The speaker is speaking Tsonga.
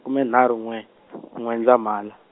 kume nharhu n'we, N'wendzamhala.